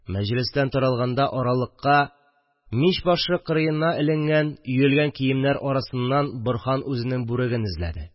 Мәҗлестән таралганда аралыкка, мич башы кырыена эленгән, өелгән киемнәр арасыннан Борһан үзенең бүреген эзләде